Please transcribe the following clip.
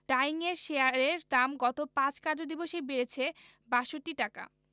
ডায়িংয়ের শেয়ারের দাম গত ৫ কার্যদিবসেই বেড়েছে ৬২ টাকা